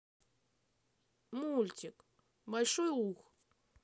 мультик большой ух